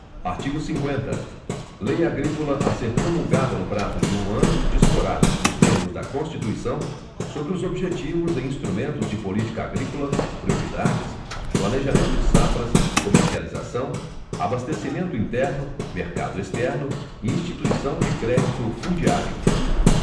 artigo cinquenta lei agrícola a ser promulgada no prazo de um ano disporá nos termos da constituição sobre os objetivos e instrumentos de política agrícola prioridades planejamento de safras comercialização abastecimento interno mercado externo e instituição de crédito fundiário